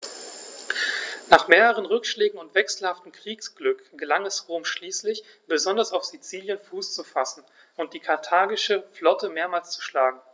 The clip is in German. Nach mehreren Rückschlägen und wechselhaftem Kriegsglück gelang es Rom schließlich, besonders auf Sizilien Fuß zu fassen und die karthagische Flotte mehrmals zu schlagen.